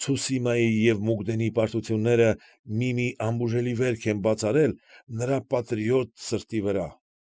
Ցուսիմայի և Մուկդենի պարտությունները մի֊մի անբուժելի վերք են բաց արել նրա պատրիոտ սրտի վրա։